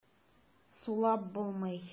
Сулап булмый.